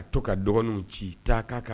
Ka to ka dɔgɔninw ci taa k'a ka